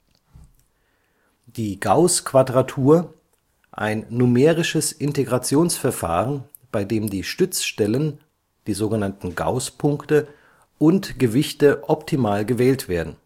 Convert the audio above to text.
die Gauß-Quadratur, ein numerisches Integrationsverfahren, bei dem die Stützstellen (Gaußpunkte) und Gewichte optimal gewählt werden